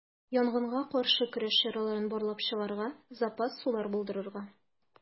Янгынга каршы көрәш чараларын барлап чыгарга, запас сулар булдырырга.